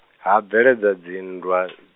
ha bveledza dzinndwa .